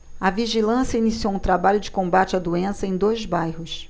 a vigilância iniciou um trabalho de combate à doença em dois bairros